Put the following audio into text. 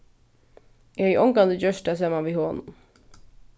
eg hevði ongantíð gjørt tað saman við honum